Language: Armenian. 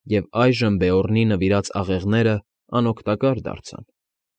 Եվ այժմ Բեորնի նվիրած աղեղներն անօգտակար դարձան։